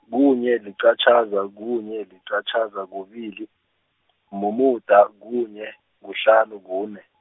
kunye liqatjhaza, kunye liqatjhaza kubili, mumuda, kunye, kuhlanu kune.